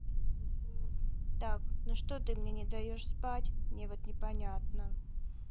так ну что ты мне не даешь спать мне вот непонятно